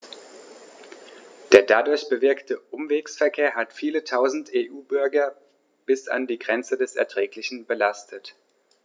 Der dadurch bewirkte Umwegsverkehr hat viele Tausend EU-Bürger bis an die Grenze des Erträglichen belastet.